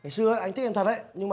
xưa anh thích em thật đấy nhưng